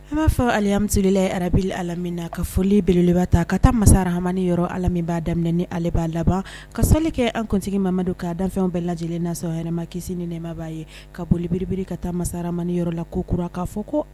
An b'a fɔ amisla biri lamina na ka folibeleba ta ka taa masara hamani yɔrɔ ami b' daminɛ ni ale b'a laban ka sali kɛ an kuntigi mamadu ka danfɛnw bɛɛ lajɛ lajɛlen nasa yɛrɛma kisi ni nɛmabaa ye ka bolib ka taa masaramani yɔrɔ la ko kura k'a fɔ ko